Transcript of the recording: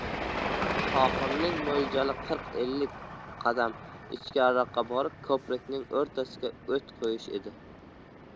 tohirning mo'ljali qirq ellik qadam ichkariroqqa borib ko'prikning o'rtasidan o't qo'yish edi